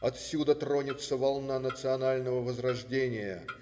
Отсюда тронется волна национального возрождения.